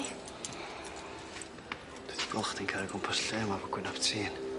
Dwi 'di gwel' chdi'n cario gwmpas lle 'ma fo gwynab tîn.